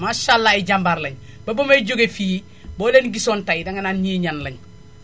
maasàllaa ay jàmbaar lañ ba ba may joge fii boo leen gisoon tay danga naan ñii ñan lañ